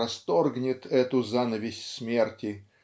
расторгнет эту занавесь смерти